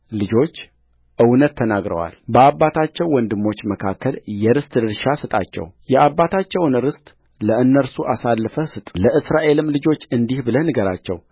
ልጆች እውነት ተናግረዋል በአባታቸው ወንድሞች መካከል የርስት ድርሻ ስጣቸው የአባታቸውን ርስት ለእነርሱ አሳልፈህ ስጥለእስራኤልም ልጆች እንዲህ ብለህ ንገራቸው